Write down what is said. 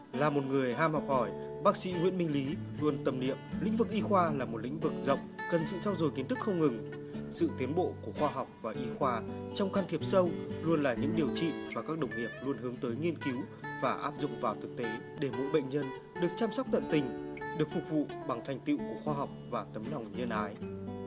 là một người ham học hỏi bác sĩ nguyễn minh lý luôn tâm niệm lĩnh vực y khoa là một lĩnh vực rộng cần sự trau dồi kiến thức không ngừng sự tiến bộ của khoa học và y khoa trong can thiệp sâu luôn là những điều trị và các đồng nghiệp luôn hướng tới nghiên cứu và áp dụng vào thực tế để mỗi bệnh nhân được chăm sóc tận tình được phục vụ bằng thành tựu của khoa học và tấm lòng nhân ái